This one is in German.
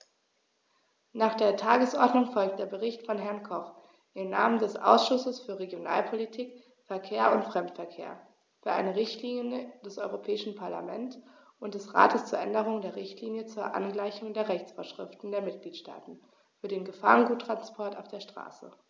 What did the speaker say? Nach der Tagesordnung folgt der Bericht von Herrn Koch im Namen des Ausschusses für Regionalpolitik, Verkehr und Fremdenverkehr für eine Richtlinie des Europäischen Parlament und des Rates zur Änderung der Richtlinie zur Angleichung der Rechtsvorschriften der Mitgliedstaaten für den Gefahrguttransport auf der Straße.